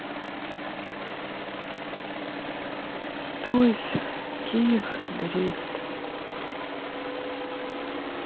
тойс киев дрифт